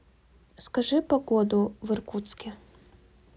скажи погоду в иркутске